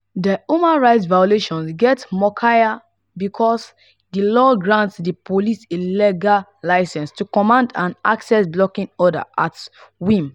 The human rights violations get murkier because the law grants the police a legal license to command an access-blocking order at whim.